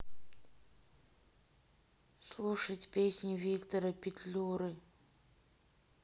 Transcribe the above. слушать песни виктора петлюры